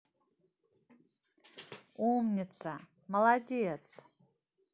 умница молодец